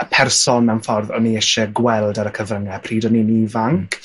y person mewn ffordd o'n i ise gweld ar y cyfrynge pryd o'n i'n ifanc.